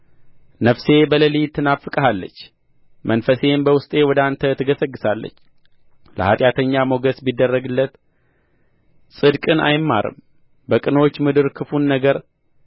ነፍሴ በሌሊት ትናፍቅሃለች መንፈሴም በውስጤ ወደ አንተ ትገሠግሣለች ለኃጢአተኛ ሞገስ ቢደረግለት ጽድቅን አይማርም በቅኖች ምድር ክፉን ነገር